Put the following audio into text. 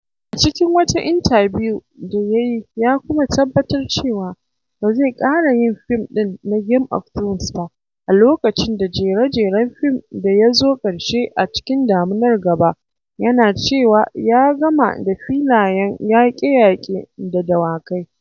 A cikin wata intabiyu da ya yi ya kuma tabbatar cewa ba zai ƙara yin fim ɗin na Game of Thrones ba a lokacin da jere-jeren fim da ya zo ƙarshe a cikin damunar gaba, yana cewa ya 'gama da filayen yaƙe-yaƙe da dawakai'.